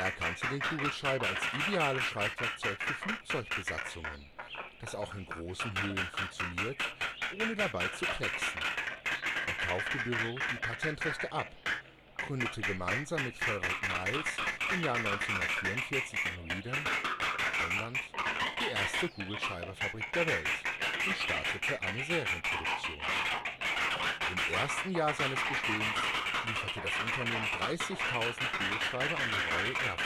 erkannte den Kugelschreiber als ideales Schreibwerkzeug für Flugzeugbesatzungen, das auch in großen Höhen funktioniert, ohne dabei zu klecksen. Er kaufte Biró die Patentrechte ab, gründete gemeinsam mit Frederick Miles im Jahr 1944 in Reading (Berkshire, England) die erste Kugelschreiberfabrik der Welt und startete eine Serienproduktion. Im ersten Jahr seines Bestehens lieferte das Unternehmen 30.000 Kugelschreiber an die Royal Air Force